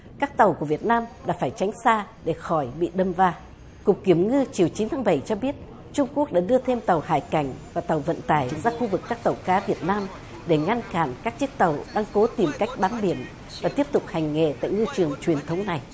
các tàu của việt nam đã phải tránh xa để khỏi bị đâm va cục kiểm ngư chiều chín tháng bảy cho biết trung quốc đã đưa thêm tàu hải cảnh và tàu vận tải ra khu vực các tàu cá việt nam để ngăn cản các chiếc tàu đang cố tìm cách bám biển và tiếp tục hành nghề tại ngư trường truyền thống này